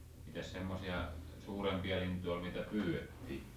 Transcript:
mitäs semmoisia suurempia lintuja oli mitä pyydettiin